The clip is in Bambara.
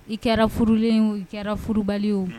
I kɛra furulen ye wo i kɛra furubali ye wo